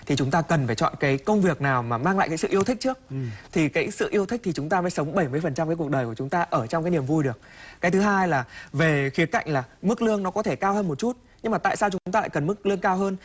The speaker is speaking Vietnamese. thì chúng ta cần phải chọn cái công việc nào mà mang lại sự yêu thích trước thì cái sự yêu thích thì chúng ta sống bảy mươi phần trăm với cuộc đời của chúng ta ở trong cái niềm vui được cái thứ hai là về khía cạnh là mức lương nó có thể cao hơn một chút nhưng mà tại sao chúng ta cần mức lương cao hơn